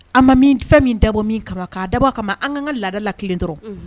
A ma min fɛn min dabɔ min kama ka dabɔ kama an kan ka laada lakilen dɔrɔn.